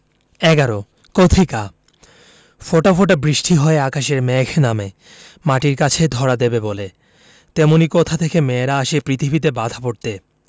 ১১ কথিকা ফোঁটা ফোঁটা বৃষ্টি হয়ে আকাশের মেঘ নামে মাটির কাছে ধরা দেবে বলে তেমনি কোথা থেকে মেয়েরা আসে পৃথিবীতে বাঁধা পড়তে